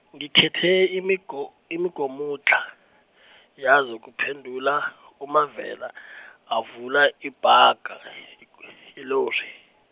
ngikhethe imigo- imigomudlha , yazo kuphendula uMavela , avula ibhaga , yelori.